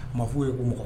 Maa fɔ ye ko kɔ